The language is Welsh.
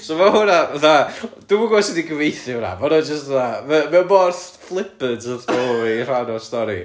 So ma' hwnna fatha dwi'm yn gwbod sut i gyfeithu hwnna ma' hwnna jyst fatha ma' ma' o mor flippant o stori ... rhan o'r stori